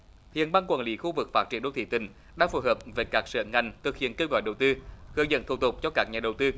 hiện ban quản lý khu vực phát triển đô thị tỉnh đang phối hợp với các sở ngành thực hiện kêu gọi đầu tư hướng dẫn thủ tục cho các nhà đầu tư